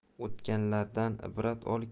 o'tganlardan ibrat ol